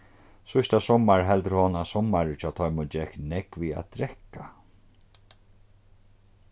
síðsta summar heldur hon at summarið hjá teimum gekk nógv við at drekka